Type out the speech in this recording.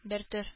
Бертөр